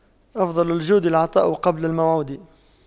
أفضل الجود العطاء قبل الموعد